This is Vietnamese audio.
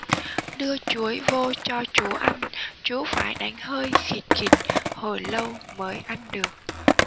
đưa chuối vô cho chú ăn chú phải đánh hơi khịt khịt hồi lâu mới ăn được